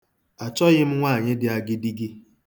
Achọghị m nwaanyị dị agidigi.